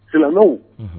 Kalanw